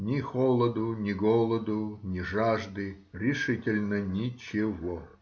ни холоду, ни голоду, ни жажды — решительно ничего!